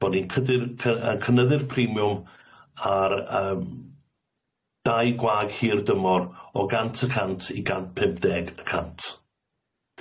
bo' ni'n cydyr- cy- yy cynyddu'r premiwm ar yym dai gwag hir dymor o gant y cant i gant pump deg y cant.